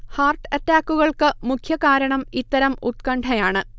heart അറ്റാക്കുകൾക്കു മുഖ്യ കാരണം ഇത്തരം ഉത്കണഠയാണ്